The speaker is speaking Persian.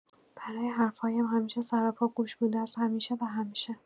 برای حرف‌هایم همیشه سراپا گوش بوده است، همیشه و همیشه.